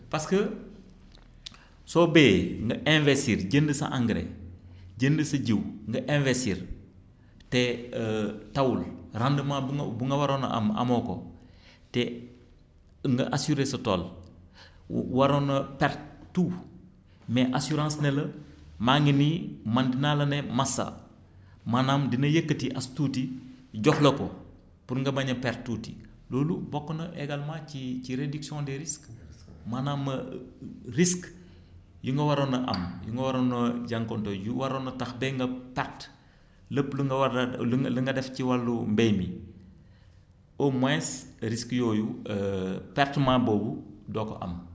parce que soo bayee nga investir jënd sa engrais jënd sa jiwu nga investir te tawul rendement bu nga bu nga waroon a am amoo ko te nga assuré sa tool waroon a perte tout mais assurance ne la maa ngi nii man dinaa la ne masa maanaam dina yëkkati as tuuti jox la ko pour nga bañ a perte tuuti loolu bokk na également ci ci réduction des risques maanaam risque yi nga waroon a am yi nga waroon a jànkonteel yi waroon a tax ba nga perte lépp lu nga waroon a lu nga lu nga def ci wàllu mbay mi au moins risques yooyu pertement boobu doo ko am